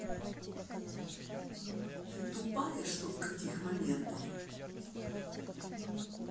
ты тупая что в каких моментов